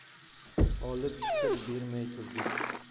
solib sir bermay turdik